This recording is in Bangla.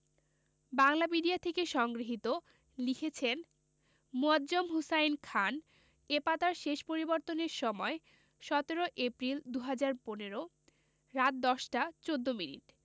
বাংলাপিডিয়া থেকে সংগ্রহীত লিখেছেনঃ মুয়ায্যম হুসাইন খান এ পাতার শেষ পরিবর্তনের সময়ঃ ১৭ এপ্রিল ২০১৫রাত ১০টা ১৪ মিনিট